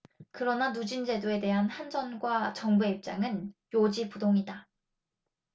그러나 누진제도에 대한 한전과 정부의 입장은 요지부동이다